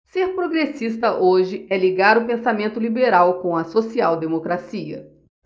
ser progressista hoje é ligar o pensamento liberal com a social democracia